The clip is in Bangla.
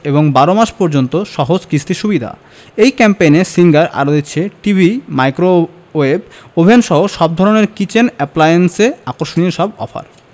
এবং ১২ মাস পর্যন্ত সহজ কিস্তি সুবিধা এই ক্যাম্পেইনে সিঙ্গার আরো দিচ্ছে টিভি মাইক্রোওয়েভ ওভেনসহ সব ধরনের কিচেন অ্যাপ্লায়েন্সে আকর্ষণীয় সব অফার